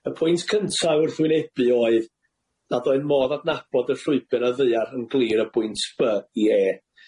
Y pwynt cyntaf wrth wynebu oedd, nad oedd modd adnabod y llwybyr ar ddaear yn glir o bwynt By i E.